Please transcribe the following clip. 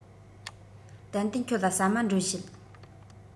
ཏན ཏན ཁྱོད ལ ཟ མ མགྲོན བྱེད